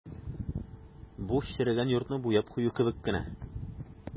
Бу черегән йортны буяп кую кебек кенә.